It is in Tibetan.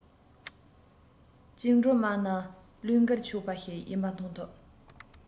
འོ དེ དག སྔོན བྱུང ཁྱོད ཀྱི བྱས རྗེས སྐྱུག པའི རྒྱ མཚོ ཆེན པོ ནས